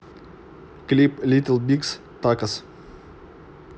клип литтл биг такос